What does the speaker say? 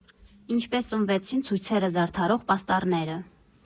Ինչպես ծնվեցին ցույցերը զարդարող պաստառները։